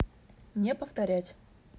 не повторять